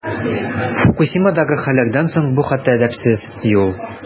Фукусимадагы хәлләрдән соң бу хәтта әдәпсез, ди ул.